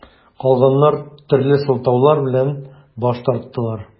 Калганнар төрле сылтаулар белән баш тарттылар.